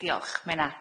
Diolch ma' hynna.